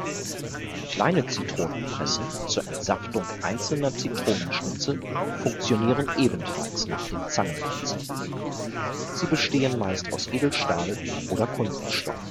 Kleine Zitronenpressen zur Entsaftung einzelner Zitronenschnitze funktionieren ebenfalls nach dem Zangenprinzip. Sie bestehen meist aus Edelstahl oder Kunststoff